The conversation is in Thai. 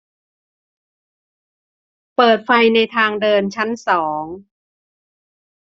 เปิดไฟในทางเดินชั้นสอง